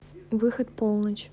выход полночь